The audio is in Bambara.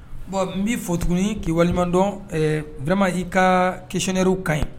Bon n b bɛ fɔ tugun k' walimaman dɔn ɛɛ wɛrɛma i ka kesɛw ka ɲi